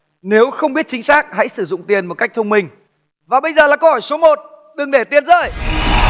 nếu không biết chính xác hãy sử dụng tiền một cách thông minh và bây giờ là câu hỏi số một đừng để tiền rơi